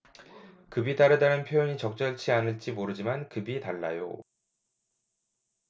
급이 다르다는 표현이 적절치 않을지 모르지만 급이 달라요